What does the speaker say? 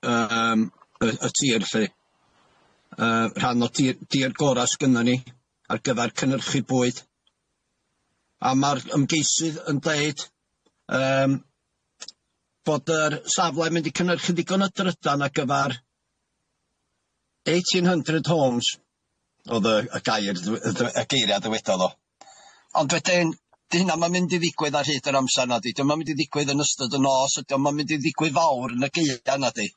yym y y tir lly yy rhan o tir dir gorau sgynnon ni ar gyfar cynnyrchu bwyd a ma'r ymgeisydd yn deud yym bod yr safle'n mynd i cynnyrchu ddigon o drydan ar gyfar eighteen hundred homes o'dd y y gair dwy- y dwy- y geiria dywedodd o ond wedyn dyw hynna'm yn mynd i ddigwydd ar hyd yr amser nadi dyw e'm yn mynd i ddigwydd yn ystod y nos ydi o'm yn mynd i ddigwydd fawr yn y geua nadi?